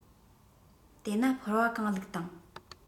དེ ན ཕོར བ གང བླུགས དང